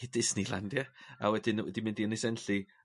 i Disney Land ie? A wedyn ny- wedi mynd i Ynys Enlli.